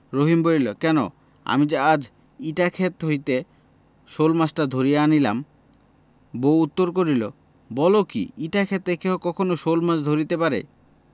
রহিম বলিল কেন আমি যে আজ ইটা ক্ষেত হইতে শোলমাছটা ধরিয়া আনিলাম বউ উত্তর করিল বল কি ইটা ক্ষেতে কেহ কখনো শোলমাছ ধরিতে পারে